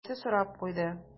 Тегесе сорап куйды: